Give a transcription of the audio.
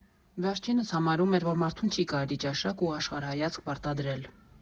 Վերջինս համարում էր, որ մարդուն չի կարելի ճաշակ ու աշխարհայացք պարտադրել.